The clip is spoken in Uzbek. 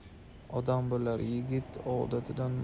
odam bo'lar yigit odatidan